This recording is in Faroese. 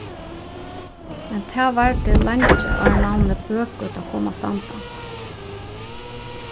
men tað vardi leingi áðrenn navnið bøgøta kom at standa